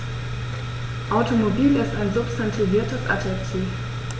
Automobil ist ein substantiviertes Adjektiv.